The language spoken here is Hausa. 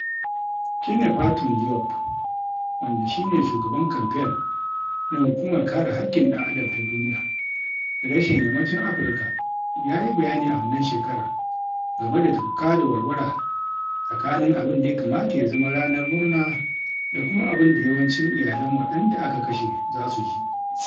Kine-Fatim Diop, wanda shi ne shugaban kamfen na hukumar kare haƙƙin ɗan'adam ta duniya reshen Yammacin Afirka, ya yi bayani a wannan shekarar game da tufka-da-warwara tsakanin abin da ya kamata ya zama ranar murna da kuma abin da yawancin iyalan waɗanda aka kashe za su ji: